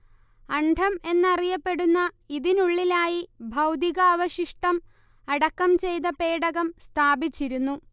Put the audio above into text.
അണ്ഡം എന്നറിയപ്പെടുന്ന ഇതിനുള്ളിലായി ഭൗതികാവശിഷ്ടം അടക്കം ചെയ്ത പേടകം സ്ഥാപിച്ചിരുന്നു